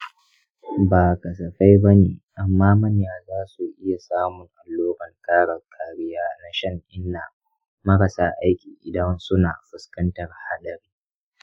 ba kasafai ba ne, amma manya za su iya samun alluran ƙara kariya na shan-inna marasa aiki idan suna fuskantar haɗari.